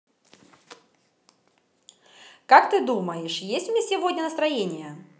как ты думаешь есть у меня сегодня настроение